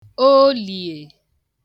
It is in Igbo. Oliè